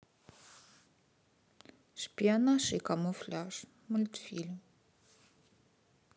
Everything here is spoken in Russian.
шпионаж и камуфляж мультфильм